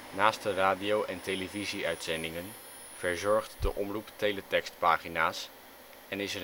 Naast de radio - en televisie-uitzendingen verzorgt de omroep Teletekst-pagina 's en is